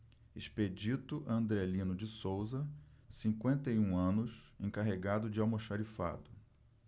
expedito andrelino de souza cinquenta e um anos encarregado de almoxarifado